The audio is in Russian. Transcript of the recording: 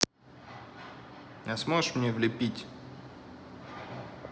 а сможешь мне влепить